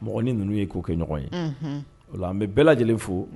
Mɔgɔ ni ninnu ye kokɛɲɔgɔn ye, unhun, o la an bɛ bɛɛ lajɛlen fo